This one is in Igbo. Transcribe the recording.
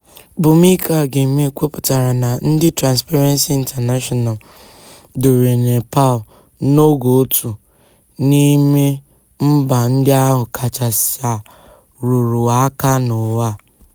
Bhumika Ghimire kwupụtara na ndị Transparency International dowere Nepal n'ogo otu n'ime mba ndị ahụ kachasị a rụrụ aka n'ụwa.